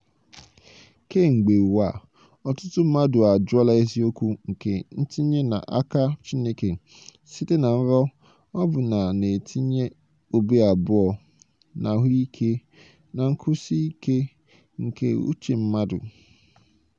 Kemgbe ụwa, ọtụtụ mmadụ ajụọla eziokwu nke ntinye aka Chineke site na nrọ, ọbụna na-etinye obi abụọ n'ahụike na nkwụsi ike nke uche mmadụ.